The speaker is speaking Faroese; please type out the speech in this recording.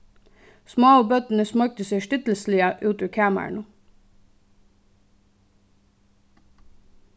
smáu børnini smoygdu sær stillisliga út úr kamarinum